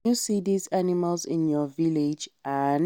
Can you see these animals in your village?, and